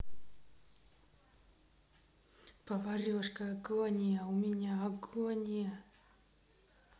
поварешка агония у меня агония